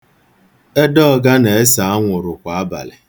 Edeọga na-ese anwụrụ kwa abalị.